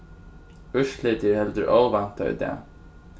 úrslitið er heldur óvæntað í dag